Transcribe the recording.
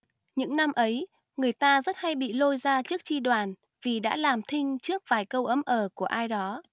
những năm ấy người ta rất hay bị lôi ra trước chi đoàn vì đã làm thinh trước vài câu ỡm ờ của ai đó